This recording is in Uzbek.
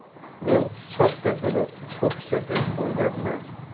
men sodda buni po'pisa deb o'ylabman